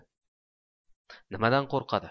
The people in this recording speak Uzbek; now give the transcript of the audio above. nimadan qo'rqadi